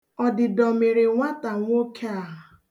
Ọdịdọ mere nwata nwoke a.